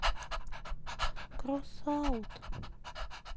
кросс аут